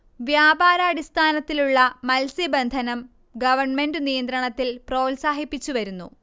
വ്യാപാരാടിസ്ഥാനത്തിലുള്ള മത്സ്യബന്ധനം ഗണ്മെന്റു നിയന്ത്രണത്തിൽ പ്രോത്സാഹിപ്പിച്ചു വരുന്നു